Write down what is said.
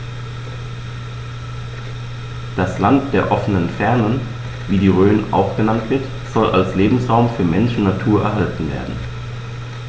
Das „Land der offenen Fernen“, wie die Rhön auch genannt wird, soll als Lebensraum für Mensch und Natur erhalten werden.